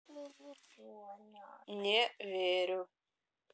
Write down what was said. не верю